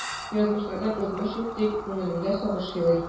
Язмышлардан узмыш юк, дип күңелемдә сагыш елый.